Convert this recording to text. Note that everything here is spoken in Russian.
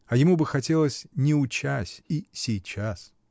А ему бы хотелось — не учась — и сейчас.